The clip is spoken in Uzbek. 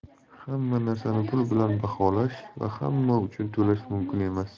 hamma narsani pul bilan baholash va hamma uchun to'lash mumkin emas